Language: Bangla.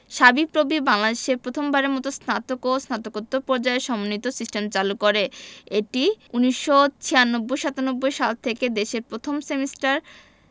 শাবিপ্রবি বাংলাদেশে প্রথম বারের মতো স্নাতক এবং স্নাতকোত্তর পর্যায়ে সমন্বিত সিস্টেম চালু করে এটি ১৯৯৬ ৯৭ সাল থেকে দেশের প্রথম সেমিস্টার